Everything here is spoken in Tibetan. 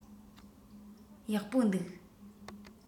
ཡག པོ འདུག